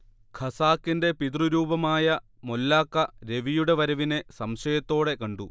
ഖസാക്കിന്റെ പിതൃരൂപമായ മൊല്ലാക്ക രവിയുടെ വരവിനെ സംശയത്തോടെ കണ്ടു